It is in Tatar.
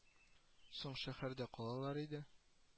Соң шәһәрдә калалар иде